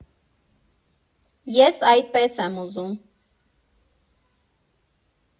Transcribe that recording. Ես այդպես եմ ուզում։